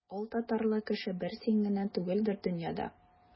Алтатарлы кеше бер син генә түгелдер дөньяда.